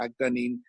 ag 'dan ni'n